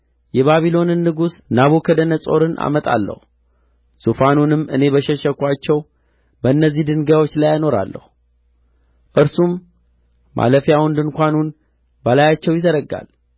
የባቢሎንን ንጉሥ ናቡከደነፆር አመጣለሁ ዙፋኑንም እኔ በሸሸግኋቸው በእነዚህ ድንጋዮች ላይ አኖራለሁ እርሱም ማለፊያውን ድንኳኑን በላያቸው ይዘረጋል